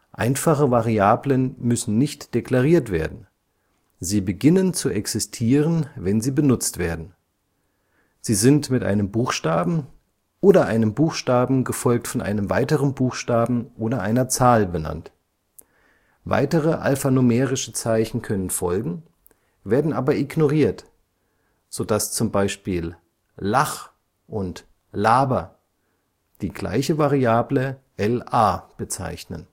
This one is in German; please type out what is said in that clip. Einfache Variablen müssen nicht deklariert werden; sie beginnen zu existieren, wenn sie benutzt werden. Sie sind mit einem Buchstaben oder einem Buchstaben gefolgt von einem weiteren Buchstaben oder einer Zahl benannt; weitere alphanumerische Zeichen können folgen, werden aber ignoriert, so dass zum Beispiel LACH und LABER die gleiche Variable LA bezeichnen